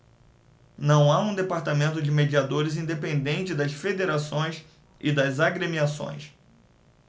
não há um departamento de mediadores independente das federações e das agremiações